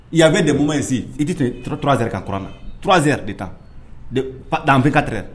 Yabe de kuma in si i tɛ t turasere ka kuranna tz yɛrɛ bɛ taa danfe katɛɛrɛ